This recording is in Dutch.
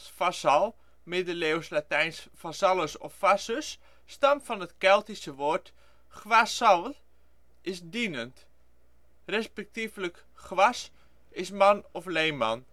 vassal, middeleeuws Lat. vassallus of vassus) stamt van het Keltisch woord: gwasawl = dienend, respektievelijk gwas = man of leenman